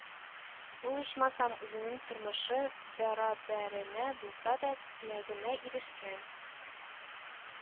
Ул ичмасам үзенең тормышы бәрабәренә булса да теләгенә ирешкән